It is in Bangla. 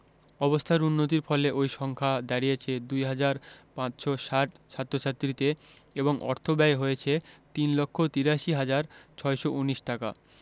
অবস্থার উন্নতির ফলে ওই সংখ্যা দাঁড়িয়েছে ২ হাজার ৫৬০ ছাত্রছাত্রীতে এবং অর্থব্যয় হয়েছে ৩ লক্ষ ৮৩ হাজার ৬১৯ টাকা